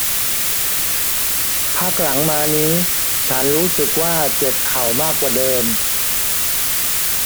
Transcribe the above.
พักหลังมานี้ฉันรู้สึกว่าเจ็บเข่ามากกว่าเดิม